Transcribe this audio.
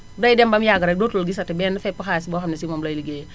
day dem ba mu yàgg rekk dootul gisati benn pepp xaalis boo xam ne sii moom lay ligéeyee